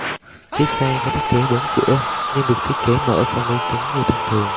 chiếc xe có thiết kế bốn cửa nhưng được thiết kể mở không đối xứng như thông thường